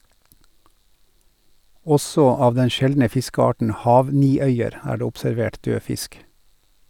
Også av den sjeldne fiskearten "hav-niøyer" er det observert død fisk.